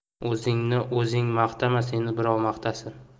o'zingni o'zing maqtama seni birov maqtasin